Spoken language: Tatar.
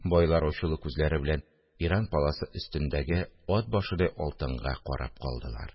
Байлар ачулы күзләре белән иран паласы өстендәге «ат башыдай алтын»га карап калдылар